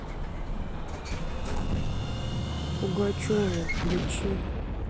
пугачеву включи